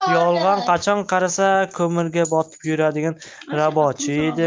yolg'on qachon qarasa ko'mirga botib yuradigan rabochiy edi